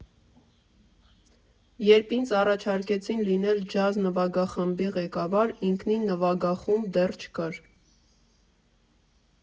Երբ ինձ առաջարկեցին լինել ջազ նվագախմբի ղեկավար, ինքնին նվագախումբ դեռ չկար։